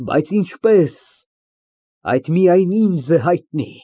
Բայց ինչպես ֊ այդ միայն ինձ է հայտնի։